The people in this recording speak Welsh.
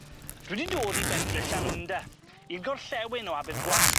Dwi 'di dod i bentre Llanwnda i'r gorllewin o Abergwaun.